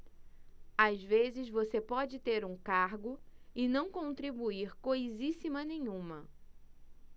às vezes você pode ter um cargo e não contribuir coisíssima nenhuma